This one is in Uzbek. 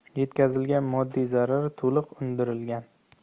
yetkazilgan moddiy zarar to'liq undirilgan